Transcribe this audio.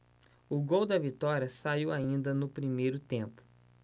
o gol da vitória saiu ainda no primeiro tempo